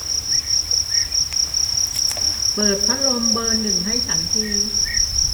เปิดพัดลมเบอร์หนึ่งให้ฉันที